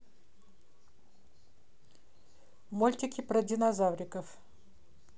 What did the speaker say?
мультики про динозавриков